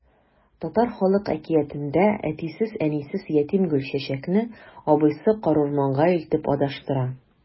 Татар халык әкиятендә әтисез-әнисез ятим Гөлчәчәкне абыйсы карурманга илтеп адаштыра.